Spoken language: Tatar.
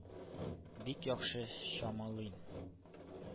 Бик яхшы чамалыйм.